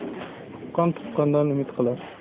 tuqqan tuqqandan umid qilar